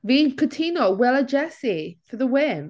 Fi'n cytuno Will a Jessie for the win.